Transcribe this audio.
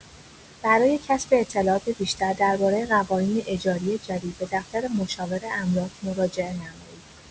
برای کسب اطلاعات بیشتر درباره قوانین اجاری جدید، به دفتر مشاور املاک مراجعه نمایید.